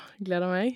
Gleder meg.